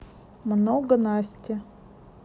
много насти